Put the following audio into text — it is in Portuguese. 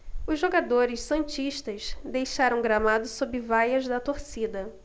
os jogadores santistas deixaram o gramado sob vaias da torcida